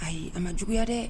Ayi a ma juguya dɛ